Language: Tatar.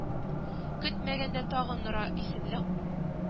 Көтмәгәндә, тагын Нора исемле